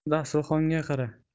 qani dasturxonga qara